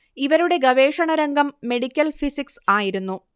ഇവരുടെ ഗവേഷണ രംഗം മെഡിക്കൽ ഫിസിക്സ് ആയിരുന്നു